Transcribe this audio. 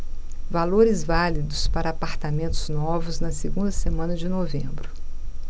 valores válidos para apartamentos novos na segunda semana de novembro